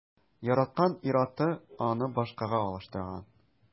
Яраткан ир-аты аны башкага алыштырган.